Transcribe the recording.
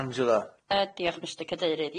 Angela.? Yy diolch Mr. Cadeirydd.